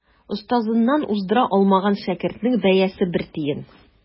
Остазыннан уздыра алмаган шәкертнең бәясе бер тиен.